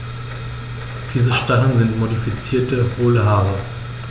Diese Stacheln sind modifizierte, hohle Haare.